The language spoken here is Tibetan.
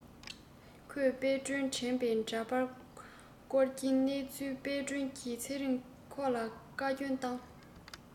ཁོས དཔལ སྒྲོན དྲན པའི འདྲ པར བསྐོར གྱི གནས ཚུལ དཔལ སྒྲོན གྱི ཚེ རིང ཁོ ལ བཀའ བསྐྱོན བཏང